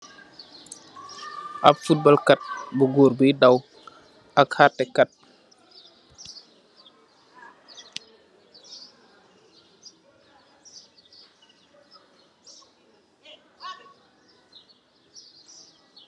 Ap futbal Kat bu gór bui daw ak hatekai.